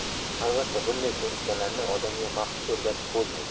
albatta bunday ko'nikmalarni odamga maxsus o'rgatib bo'lmaydi